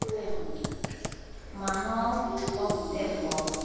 мануал по sberbox